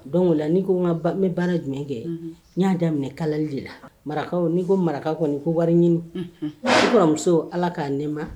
Don ola ni ko n ka n bɛ baara jumɛn kɛ n y'a daminɛ minɛ kalali de la marakaw n'i ko maraka kɔni ko wari ɲinikuramuso ala k'a nɛ ma